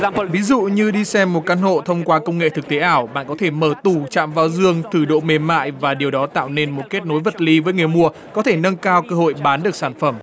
ví dụ như đi xem một căn hộ thông qua công nghệ thực tế ảo bạn có thể mở tủ chạm vào giường thử độ mềm mại và điều đó tạo nên một kết nối vật lý với người mua có thể nâng cao cơ hội bán được sản phẩm